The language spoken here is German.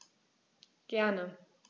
Gerne.